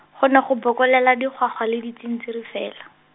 go ne go bokolela digwagwa le ditsintsiri fela.